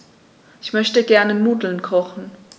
Ich möchte gerne Nudeln kochen.